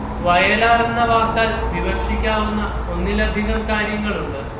വയലാർ എന്ന വാക്കാൽ വിവക്ഷിക്കാവുന്ന ഒന്നിലധികം കാര്യങ്ങളുണ്ട്